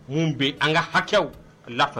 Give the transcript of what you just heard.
Mun be an ŋa hakɛw la